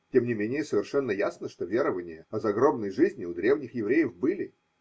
тем не менее совершенно ясно, что верования о загробной жизни у древних евреев были.